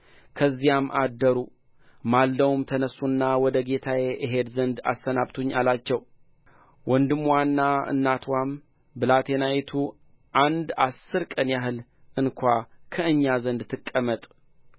ከዚያም አደሩ ማልደውም ተነሡና ወደ ጌታዬ እሄድ ዘንድ አሰናብቱኝ አላቸው ወንድምዋና እናትዋም ብላቴናይቱ አንድ አሥር ቀን ያህል እንኳ ከእኛ ዘንድ ትቀመጥ